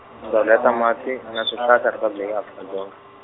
Ndzawulo ya ta Mati na Swihlahla Riphabliki ya Afrika Dzonga.